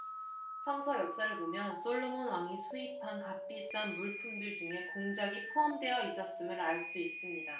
성서 역사를 보면 솔로몬 왕이 수입한 값비싼 물품들 중에 공작이 포함되어 있었음을 알 수 있습니다